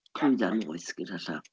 Clwyddau noeth gyda llaw.